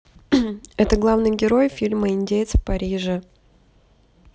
это главный герой фильма индеец в париже